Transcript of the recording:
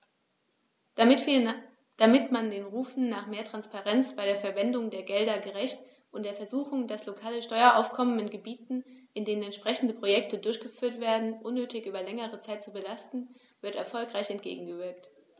Damit wird man den Rufen nach mehr Transparenz bei der Verwendung der Gelder gerecht, und der Versuchung, das lokale Steueraufkommen in Gebieten, in denen entsprechende Projekte durchgeführt werden, unnötig über längere Zeit zu belasten, wird erfolgreich entgegengewirkt.